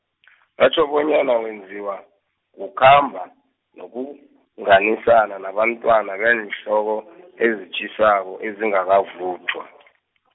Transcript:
batjho bonyana wenziwa, kukhamba, nokunganisana nabantwana beenhloko, ezitjhisako ezingakavuthwa.